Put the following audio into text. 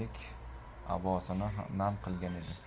yenglik abosini nam qilgan edi